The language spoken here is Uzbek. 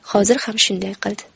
hozir ham shunday qildi